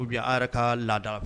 Pour que aw yɛrɛ ka laada